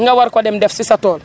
nga war ko dem def si sa tool